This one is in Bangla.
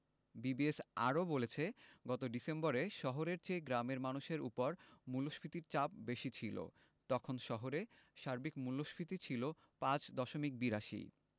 বিবিএস আরও বলছে গত ডিসেম্বরে শহরের চেয়ে গ্রামের মানুষের ওপর মূল্যস্ফীতির চাপ বেশি ছিল তখন শহরে সার্বিক মূল্যস্ফীতি ছিল ৫ দশমিক ৮২